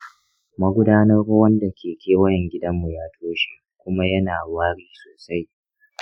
magudanar ruwan da ke kewayen gidanmu ya toshe kuma yana wari sosai.